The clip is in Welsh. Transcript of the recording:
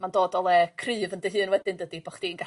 ma'n dod o le cryf yn dy hu wedyn dydi bo chdi'n...